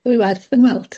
Dwi werth fy ngweld.